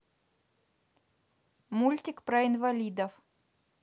мультик про инвалидов